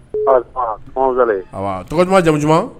Tɔgɔ duman jamu duman